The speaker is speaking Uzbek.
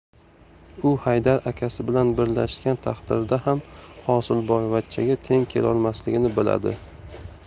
u haydar akasi bilan birlashgan taqdirda ham hosilboyvachchaga teng kelolmasligini biladi